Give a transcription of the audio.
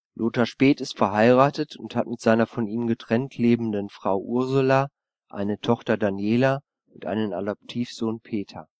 Lothar Späth ist verheiratet und hat mit seiner von ihm getrennt lebenden Frau Ursula eine Tochter Daniela und einen Adoptivsohn Peter